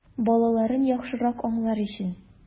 Балаларын яхшырак аңлар өчен!